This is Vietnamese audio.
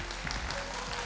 ạ